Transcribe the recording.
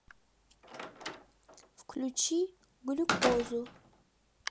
включи глюкозу